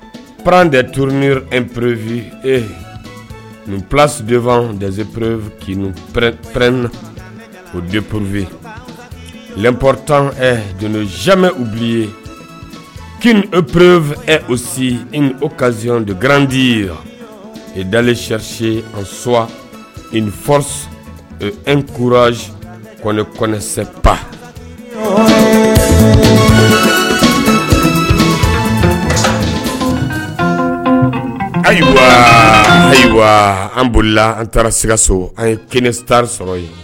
Pprɛn de tr ni epurp ee nin pssi defadzepurp kin ppɛpɛpɛina o de ppurpe porotan don zimɛ u bi ye kin ppurp e osi o kasii de garandi ye i dalen sirisi an swa i ni fɔ nkuraraz kɔnɛ kɔnɛsɛp ayiwa ayiwa an bolila an taara sikaso an ye kelen tari sɔrɔ ye